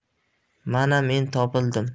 mana men topildim